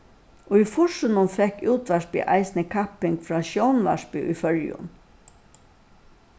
í fýrsunum fekk útvarpið eisini kapping frá sjónvarpi í føroyum